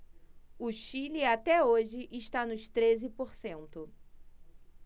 o chile até hoje está nos treze por cento